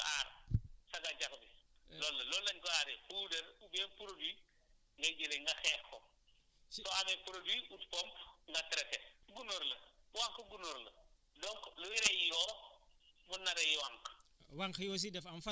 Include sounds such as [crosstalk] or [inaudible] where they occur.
soo amee tuuti rek mun nga aar [noise] sa gàncax bi loolu la loolu la ñu ko aaree puudar oubien produit ngay jëlee nga xeex ko su ko amee produit ut pomp nga traiter gunóor la wànq gunóor la donc luy rey yoo mun na rey wànq